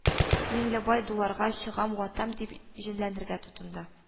Миңлебай дуларга, "чыгам, ватам", дип җенләнергә тотынды